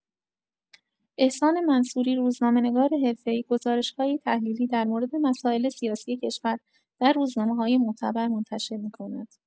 احسان منصوری، روزنامه‌نگار حرفه‌ای، گزارش‌هایی تحلیلی در مورد مسائل سیاسی کشور در روزنامه‌های معتبر منتشر می‌کند.